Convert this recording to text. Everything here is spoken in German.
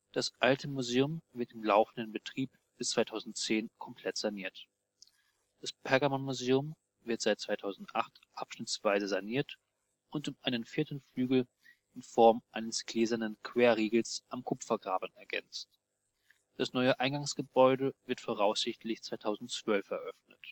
Das Alte Museum wird im laufenden Betrieb bis 2010 [veraltet] komplett saniert. Das Pergamonmuseum wird seit 2008 abschnittsweise saniert und um einen vierten Flügel in Form eines gläsernen Querriegels am Kupfergraben ergänzt. Das neue Eingangsgebäude wird voraussichtlich 2012 [veraltet] eröffnet